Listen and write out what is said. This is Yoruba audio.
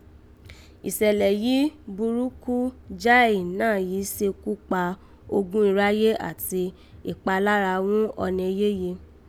Ìsẹ̀lẹ̀ yìí burúkú jáì náà yìí sekú kpa ogún iráyé àti ìpalára ghún ọnẹ yéye